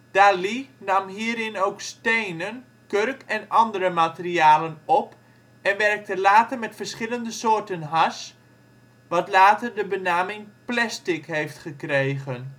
Dalí nam hierin ook stenen, kurk en andere materialen op, en werkte later met verschillende soorten hars, wat later de benaming ' plastic ' heeft gekregen